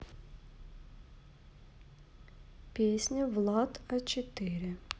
песня влад а четыре